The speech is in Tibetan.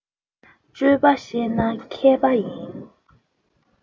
སྤྱོད པ ཤེས ན མཁས པ ཡིན